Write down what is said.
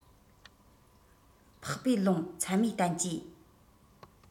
འཕགས པའི ལུང ཚད མའི བསྟན བཅོས